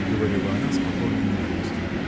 — говорила она с покорной нежностью.